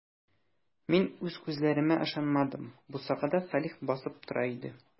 Мин үз күзләремә ышанмадым - бусагада Салих басып тора иде.